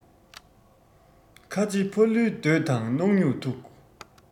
ཁ ཆེ ཕ ལུའི འདོད དང སྣག སྨྱུག ཐུག